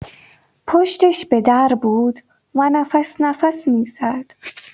پشتش به در بود و نفس‌نفس می‌زد.